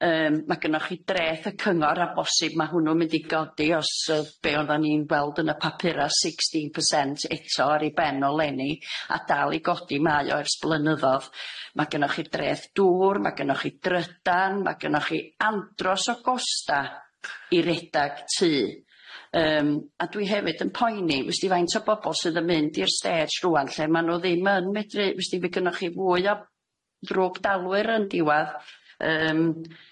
Yym ma' gynnoch chi dreth y cyngor a bosib ma' hwnnw'n mynd i godi os yy be' oddan ni'n weld yn y papura sixteen percent eto ar ei ben o leni a dal i godi mae o ers blynyddodd. Ma' gynnoch chi dreth dŵr ma' gynnoch chi drydan ma' gynnoch chi andros o gosta i redag tŷ yym a dwi hefyd yn poeni wsdi faint o bobol sydd yn mynd i'r stage rŵan lle ma' nw ddim yn medru wsdi fe gynnoch chi fwy o ddrwg dalwyr yn diwadd yym.